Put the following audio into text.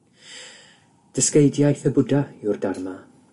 Dysgeidiaeth y Bwdha yw'r Dharma.